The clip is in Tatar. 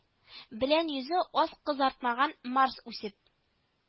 Белән йөзе аз кызартмаган марс үсеп